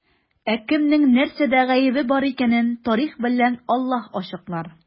Ә кемнең нәрсәдә гаебе бар икәнен тарих белән Аллаһ ачыклар.